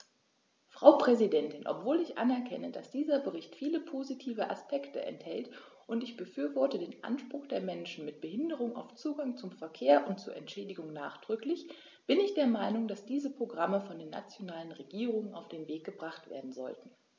Frau Präsidentin, obwohl ich anerkenne, dass dieser Bericht viele positive Aspekte enthält - und ich befürworte den Anspruch der Menschen mit Behinderung auf Zugang zum Verkehr und zu Entschädigung nachdrücklich -, bin ich der Meinung, dass diese Programme von den nationalen Regierungen auf den Weg gebracht werden sollten.